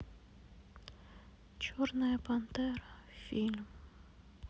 черная пантера фильм